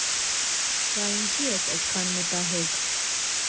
֊ Բա ինչի՞ ես էդքան մտահոգ։